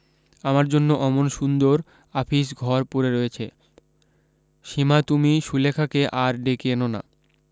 আমার জন্য অমন সুন্দর আফিস ঘর পড়ে রয়েছে সীমা তুমি সুলেখাকে আর ডেকে এনো না